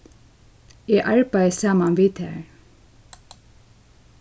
eg arbeiði saman við tær